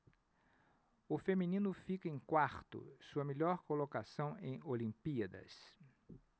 o feminino fica em quarto sua melhor colocação em olimpíadas